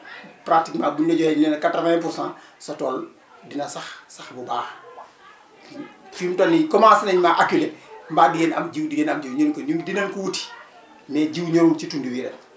pratiquement bu ñu la joxee ne la 80 pour cent sa tool di na sax sax bu baax fi mu toll nii commencé nañ maa acculé mbaa di ngeen am jiw di ngeen am jiw ñu ne ko ñun di nañu ko wuti mais jiw ñëwul ci_ tund wii rek